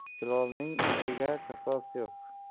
kulolning ichishga kosasi yo'q